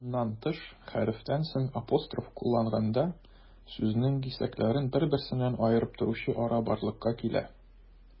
Моннан тыш, хәрефтән соң апостроф кулланганда, сүзнең кисәкләрен бер-берсеннән аерып торучы ара барлыкка килә.